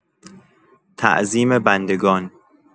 تعظیم بندگان